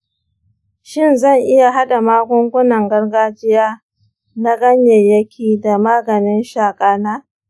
shin zan iya haɗa magungunan gargajiya na ganyayyaki da maganin shaka na?